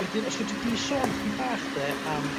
wedyn os fedri di sôn chydig bach 'de am